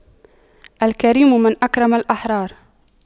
الكريم من أكرم الأحرار